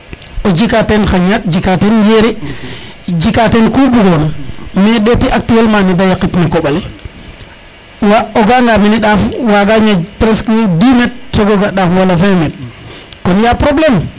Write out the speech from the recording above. o jika ten xañaɗ jika ten yere jika ten ku bugona mais ndeti actuellement nede yaqit na koɓale wa o ga a nga mene ndaaf waga ñaƴ presque 10 metre sogo ga ndaaf wala 20 metres kon ya probleme